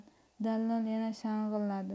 dallol yana shang'illadi